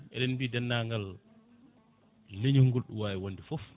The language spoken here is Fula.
eɗen mbi dennagal leeñol ɗo wawi wonde foof